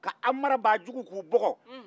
ka aw marabaa jugu k'u bugɔ